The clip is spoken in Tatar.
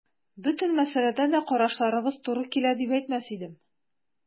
Бөтен мәсьәләдә дә карашларыбыз туры килә дип әйтмәс идем.